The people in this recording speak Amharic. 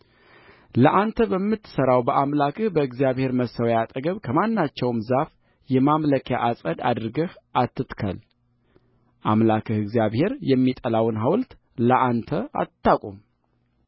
ለአንተ በምትሠራው በአምላክህ በእግዚአብሔር መሠዊያ አጠገብ ከማናቸውም ዛፍ የማምለኪያ ዐፀድ አድርገህ አትትከል አምላክህ እግዚአብሔርም የሚጠላውን ሐውልት ለአንተ አታቁም